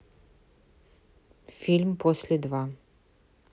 фильм после два